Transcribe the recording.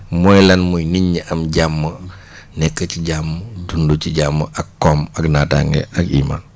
mooy lan mooy nit ñi am jàmm nekk ci jàmm dund ci jàmm ak koom ak naataange ak iimaan